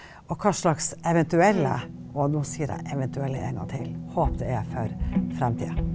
og hva slags eventuelle, og nå sier jeg eventuelle en gang til, håp det er for framtida.